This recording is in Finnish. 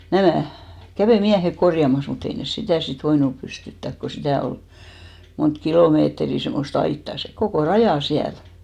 nämä kävi miehet korjaamassa mutta ei ne sitä sitten voinut pystyttää kun sitä oli monta kilometriä semmoista aitaa se koko raja siellä